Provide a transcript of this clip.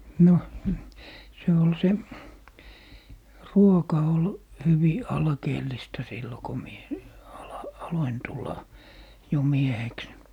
no se oli se ruoka oli hyvin alkeellista silloin kun minä - aloin tulla jo mieheksi